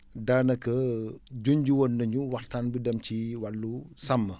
daanaka junj woon nañu waxtaan bu dem ci wàllu sàmm